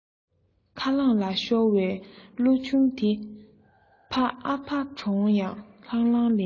ཁ ལངས ལ ཤོར བའི གླུ ཆུང དེ ཕ ཨ ཕ གྲོངས ཡང ལྷང ལྷང ལེན